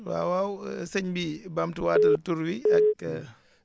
waaw waaw sëñ bi bamtuwaatal tur wi ak